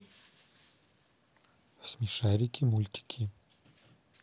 смешарики мультики